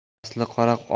asli qora oqarmas